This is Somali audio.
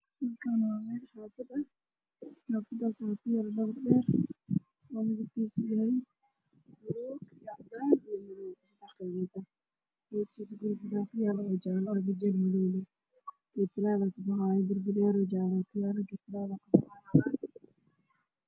Waa guri dabaq oo aad u dheer